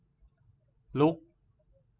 ลุก